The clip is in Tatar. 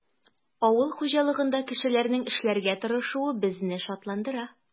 Авыл хуҗалыгында кешеләрнең эшләргә тырышуы безне шатландыра.